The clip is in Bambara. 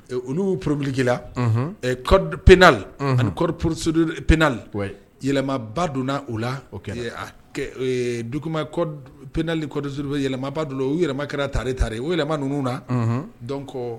Oluu poropbilikila kɔ peinali aniɔri poros peinali yɛlɛmaba donna o la o duma peinaanli kɔɔriururu bɛ yɛlɛmaba don u yɛlɛma kɛra tare tari u yɛlɛma ninnu na dɔn kɔ